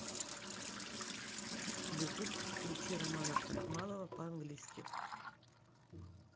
ютуб включи романа крахмалова по английски